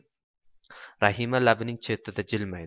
rahima labining chetida jilmaydi